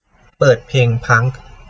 เปิดเพลงพังค์